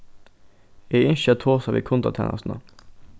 eg ynski at tosa við kundatænastuna